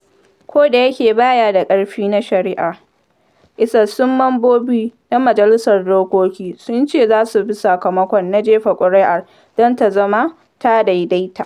Kodayake ba ya da ƙarfi na shari’a, isassun mambobi na majalisar dokoki sun ce za su bi sakamako na jefa kuri’ar don ta zama ta daidaita.